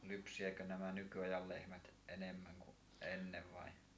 lypsääkö nämä nykyajan lehmät enemmän kuin ennen vai